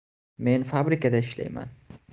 men fabrikada ishlayman